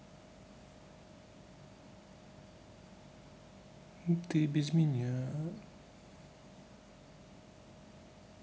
ты без меня